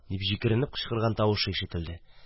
Дип җикеренеп кычкырган тавышы ишетелде.